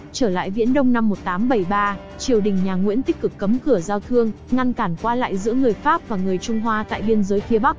trở lại viễn đông năm triều đình nhà nguyễn tích cực cấm cửa giao thương ngăn cản qua lại giữa người pháp và người trung hoa tại phía biên giới phía bắc